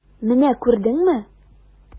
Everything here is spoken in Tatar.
Менә күрдеңме?